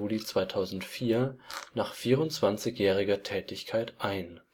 2004 nach 24-jähriger Tätigkeit ein